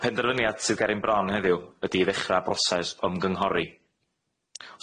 Y penderfyniad sydd ger ein bron heddiw ydi i ddechra broses o ymgynghori.